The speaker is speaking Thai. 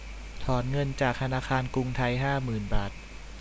ถอนเงินจากธนาคารกรุงไทยห้าหมื่นบาท